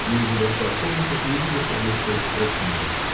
Лиза вошла в комнату и, увидев Лаврецкого, покраснела.